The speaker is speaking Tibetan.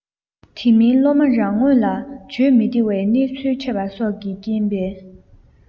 དེ མིན སློབ མ རང ངོས ལ བརྗོད མི བདེ བའི གནས ཚུལ འཕྲད པ སོགས ཀྱི རྐྱེན པས